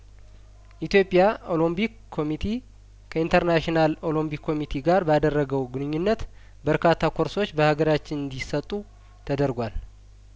ኢትዮጵያ ኦሎምፒክ ኮሚቲ ከኢንተርናሽናል ኦሎምፒክ ኮሚቴ ጋር ባደረገው ግንኙነት በርካታ ኮርሶች በሀገራችን እንዲሰጡ ተደርጓል